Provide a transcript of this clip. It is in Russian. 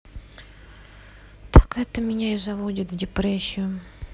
так это меня и заводит в депрессию